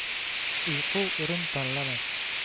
uyqu o'rin tanlamas